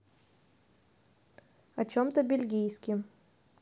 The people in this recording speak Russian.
о чем то бельгийский